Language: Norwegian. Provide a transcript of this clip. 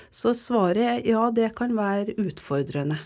så svaret er ja det kan være utfordrende.